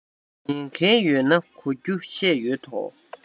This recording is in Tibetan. ཉན མཁན ཡོད ན གོ རྒྱུ བཤད ཡོད དོ